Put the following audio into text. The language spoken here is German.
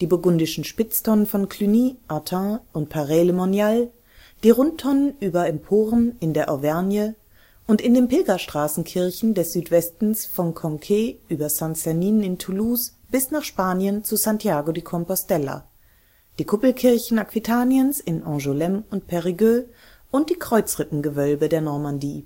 die burgundischen Spitztonnen von Cluny, Autun und Paray-le-Monial, die Rundtonnen über Emporen in der Auvergne und in den Pilgerstraßenkirchen des Südwestens von Conques über St. Sernin in Toulouse bis nach Spanien zu Santiago de Compostela, die Kuppelkirchen Aquitaniens in Angoulême und Périgueux und die Kreuzrippengewölbe der Normandie